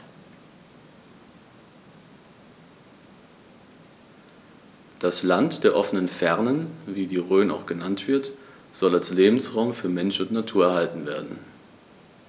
Das „Land der offenen Fernen“, wie die Rhön auch genannt wird, soll als Lebensraum für Mensch und Natur erhalten werden.